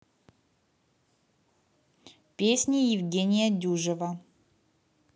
песни евгения дюжева